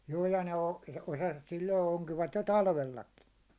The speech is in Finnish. juu ja ne on osasivat silloin onkivat jo talvellakin